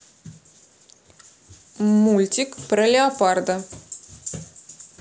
мультик про леопольда